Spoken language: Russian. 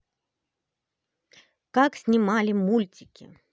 как снимали мультики